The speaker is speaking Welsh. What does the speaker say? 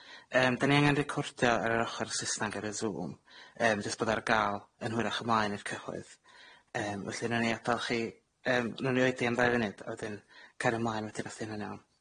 Yym 'dan ni angan recordio ar yr ochor Susnag ar y Zoom, yym jyst bod o ar ga'l yn hwyrach ymlaen i'r cyhoedd. Yym felly nown ni adal chi- yym nown ni oedi am ddau funud a wedyn cario mlaen wedyn os 'di hynna'n iawn.